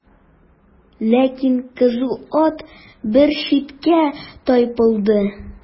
Ләкин кызу ат бер читкә тайпылды.